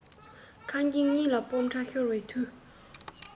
ཁེ གྱོང གཉིས ལ སྦོམ ཕྲ ཤོར བའི དུས